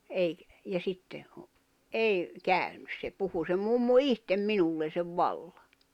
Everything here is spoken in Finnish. - ja sitten on ei käynyt se puhui se mummo itse minulle sen vallan